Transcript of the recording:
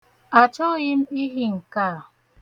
Achọghị m ịhị nke a.